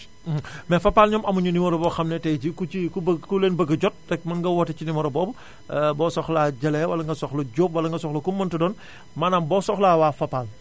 mais Fapal ñoom amuñu numéro boo xam ne tay jii ku cii ku bëgg ku leen bëgg a jot rekk mën nga woote ci numéro boobu boo soxlaa Jalle wala nga soxla Diop wala nga soxla ku mu mën ti doon maanaam boo soxlaa waa Fapal